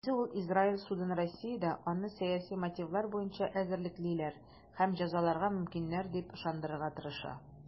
Үзе ул Израиль судын Россиядә аны сәяси мотивлар буенча эзәрлеклиләр һәм җәзаларга мөмкиннәр дип ышандырырга тырыша.